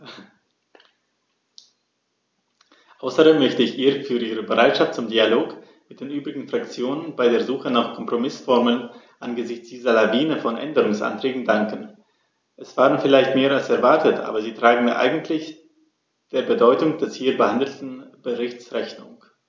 Außerdem möchte ich ihr für ihre Bereitschaft zum Dialog mit den übrigen Fraktionen bei der Suche nach Kompromißformeln angesichts dieser Lawine von Änderungsanträgen danken; es waren vielleicht mehr als erwartet, aber sie tragen eigentlich der Bedeutung des hier behandelten Berichts Rechnung.